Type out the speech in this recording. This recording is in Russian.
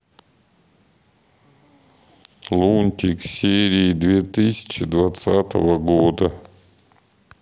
лунтик серии две тысячи двадцатого года